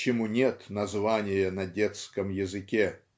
чему нет названия на детском языке".